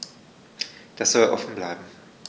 Das soll offen bleiben.